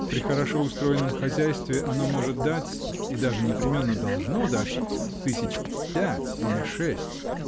При хорошо устроенном хозяйстве оно может дать -- и даже непременно должно дать тысяч пять или шесть.